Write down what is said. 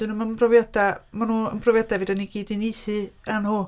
'dyn nhw ddim yn brofiadau... Maen nhw brofiadau fedra ni gyd uniaethu â nhw.